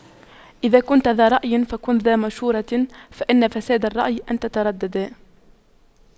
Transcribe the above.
إذا كنتَ ذا رأيٍ فكن ذا مشورة فإن فساد الرأي أن تترددا